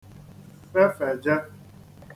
fefèje